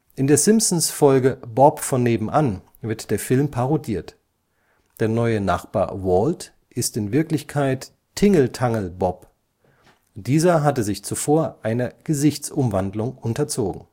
In der Simpsons-Folge Bob von nebenan wird der Film parodiert. Der neue Nachbar Walt ist in Wirklichkeit Tingeltangel-Bob. Dieser hatte sich zuvor einer Gesichtsumwandlung unterzogen